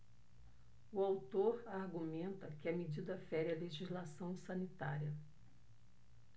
o autor argumenta que a medida fere a legislação sanitária